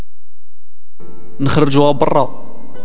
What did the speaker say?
اخرجوا برا